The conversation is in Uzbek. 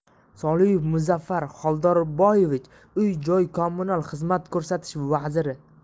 soliyev muzaffar xoldorboyevich uy joy kommunal xizmat ko'rsatish vaziri